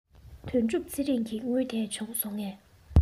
དོན གྲུབ ཚེ རིང གི དངུལ དེ བྱུང སོང ངས